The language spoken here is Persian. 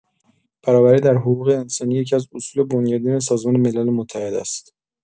برابری در حقوق انسانی یکی‌از اصول بنیادین سازمان ملل متحد است.